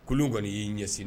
Kulun kɔnni y'i ɲɛsi